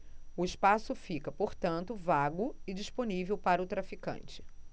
o espaço fica portanto vago e disponível para o traficante